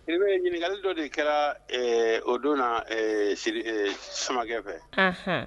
Sidibe ɲininkali dɔ de kɛra ɛɛ o don na ɛɛ Sidi ɛɛ Samakɛ fɛ anhan